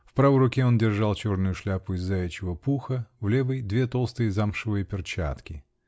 В правой руке он держал черную шляпу из заячьего пуха, в левой две толстые замшевые перчатки